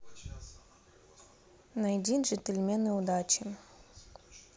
найди джентльмены удачи